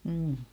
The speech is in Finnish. mm